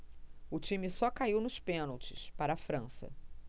o time só caiu nos pênaltis para a frança